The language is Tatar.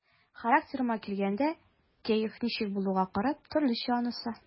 Характерыма килгәндә, кәеф ничек булуга карап, төрлечә анысы.